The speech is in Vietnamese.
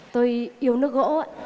tôi yêu nước gỗ ạ